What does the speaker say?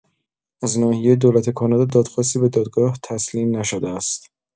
از ناحیه دولت کانادا دادخواستی به دادگاه تسلیم نشده است.